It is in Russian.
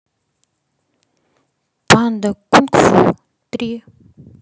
панда кунг фу три